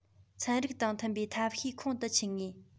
ཚན རིག དང མཐུན པའི ཐབས ཤེས ཁོང དུ ཆུད ངེས